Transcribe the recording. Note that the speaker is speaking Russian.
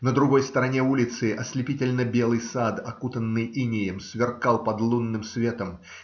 на другой стороне улицы ослепительно белый сад, окутанный инеем, сверкал под лунным светом.